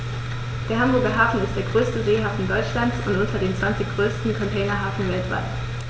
Der Hamburger Hafen ist der größte Seehafen Deutschlands und unter den zwanzig größten Containerhäfen weltweit.